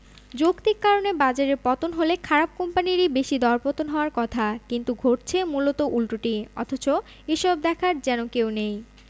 যৌক্তিক কারণে বাজারে পতন হলে খারাপ কোম্পানিরই বেশি দরপতন হওয়ার কথা কিন্তু ঘটছে মূলত উল্টোটি অথচ এসব দেখার যেন কেউ নেই